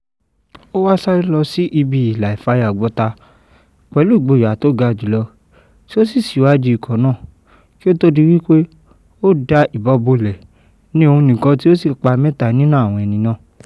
Ó wà ṣáré lọ sí ibi ìlà ìfàyàgbọta pẹ̀lú “Ìgbòyà tó ga jùlọ” tí ó sì siwájú ikọ̀ náà kí ó tó di wípé ó da ìbọn bolẹ̀ ní òun nìkan tí ó sì pà mẹ́tà nínú àwọn èni náà.